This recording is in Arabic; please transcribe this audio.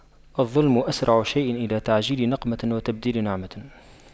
الظلم أسرع شيء إلى تعجيل نقمة وتبديل نعمة